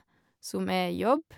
Som er jobb.